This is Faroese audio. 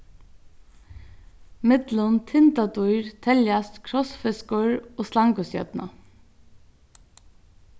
millum tindadýr teljast krossfiskur og slangustjørna